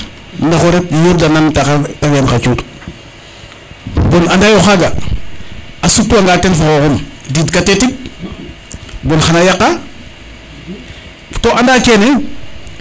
ndax o ret yurda nan taxar te fiyan xa cuuɗ bon anda ye o xaga a sutwa nga ten fo xoxum diid kate tig bon xana yaqa to anda kene